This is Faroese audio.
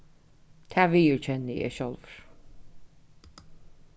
tað viðurkenni eg sjálvur